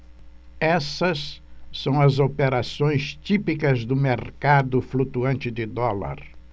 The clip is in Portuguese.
essas são as operações típicas do mercado flutuante de dólar